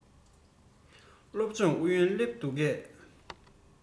སློབ སྦྱོང ཨུ ཡོན སླེབས འདུག གས